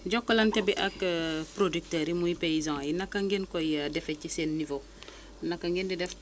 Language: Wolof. jokkalante bi ak producteurs yi muy paysan yi naka ngeen koy defee ci seen niveau naka ngeen di def